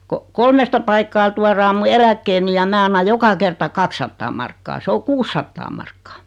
kun kolmesta paikkaa tuodaan minun eläkkeeni ja minä annan joka kerta kaksisataa markkaa se on kuusisataa markkaa